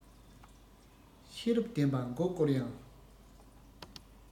ཤེས རབ ལྡན པ མགོ བསྐོར ཡང